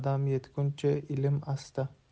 qadam yetguncha ilm ista